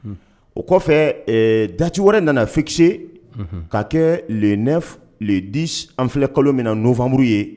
O kɔfɛ dati wɛrɛ nana fsi k kaa kɛ le ledi an filɛ kalo min na'ufammuru ye